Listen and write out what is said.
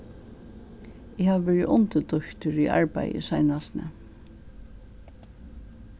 eg havi verið undirdíktur í arbeiði í seinastuni